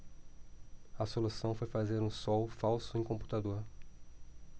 a solução foi fazer um sol falso em computador